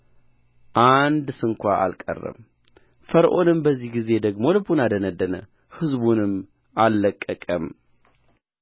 አንድ ስንኳ አልቀረም ፈርዖንም በዚህ ጊዜ ደግሞ ልቡን አደነደነ ሕዝቡንም አልለቀቀም